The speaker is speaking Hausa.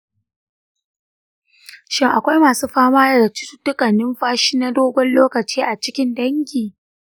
shin akwai masu fama da cututtukan numfashi na dogon lokaci a cikin dangi